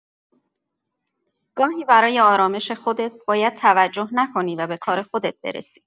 گاهی برای آرامش خودت، باید توجه نکنی و به کار خودت برسی.